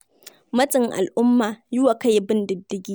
Matsin al'umma, yi wa kai bin diddigi